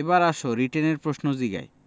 এইবার আসো রিটেনের প্রশ্ন জিগাই..